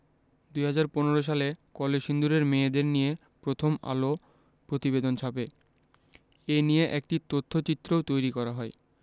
২০১৫ সালে কলসিন্দুরের মেয়েদের নিয়ে প্রথম আলো প্রতিবেদন ছাপে এ নিয়ে একটি তথ্যচিত্রও তৈরি করা হয়